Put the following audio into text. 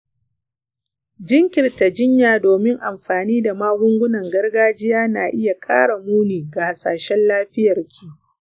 jinkirta jinya domin amfani da magungunan gargajiya na iya kara muni ga hasashen lafiyarki.